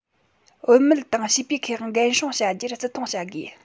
བུད མེད དང བྱིས པའི ཁེ དབང འགན སྲུང བྱ རྒྱུར བརྩི མཐོང བྱ དགོས